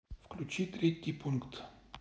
включи третий пункт